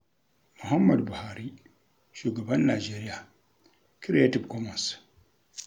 Muhammad Buhari, shugaban Najeriya. Creative Commons.